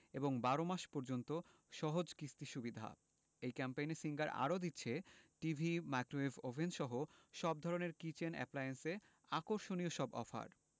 এবং ১২ মাস পর্যন্ত সহজ কিস্তি সুবিধা এই ক্যাম্পেইনে সিঙ্গার আরো দিচ্ছে টিভি মাইক্রোওয়েভ ওভেনসহ সব ধরনের কিচেন অ্যাপ্লায়েন্সে আকর্ষণীয় সব অফার